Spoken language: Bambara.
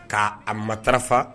K'a a mata